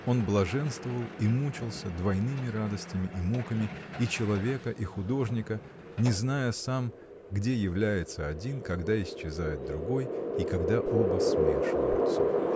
Он блаженствовал и мучился двойными радостями и муками, и человека, и художника, не зная сам, где является один, когда исчезает другой и когда оба смешиваются.